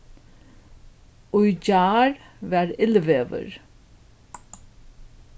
í gjár var illveður